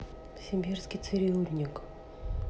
сибирский цирюльник